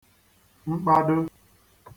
mkpadō